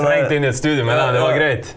trengt inn i et studio med dem det var greit?